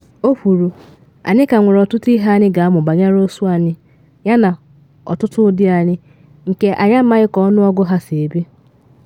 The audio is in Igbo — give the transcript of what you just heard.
O kwuru: “Anyị ka nwere ọtụtụ ihe anyị ga-amụ banyere ụsụ anyị yana ọtụtụ ụdị anyị, nke anyị amaghị ka ọnụọgụ ha si ebi.”